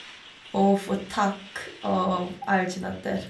Å få tak av alginater.